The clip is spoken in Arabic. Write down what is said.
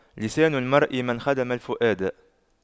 لسان المرء من خدم الفؤاد